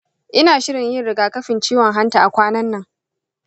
ina shirin yin rigakafin ciwon hanta a kwanan nan